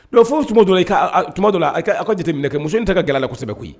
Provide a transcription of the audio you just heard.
Don fɔ dɔ i' tuma dɔ ka jate minɛ kɛ muso in tɛ ka gɛlɛ la kɔsɛbɛ koyi